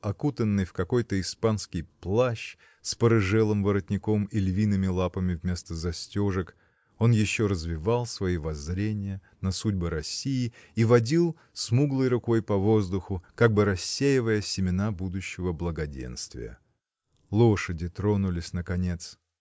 окутанный в какой-то испанский плащ с порыжелым воротником и львиными лапами вместо застежек, он еще развивал свои воззрения на судьбы России и водил смуглой рукой по воздуху, как бы рассеивая семена будущего благоденствия. Лошади тронулись наконец.